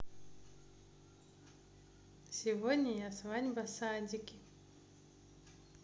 сегодня я свадьба садики